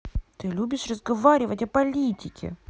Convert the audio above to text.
ты любишь разговаривать о политике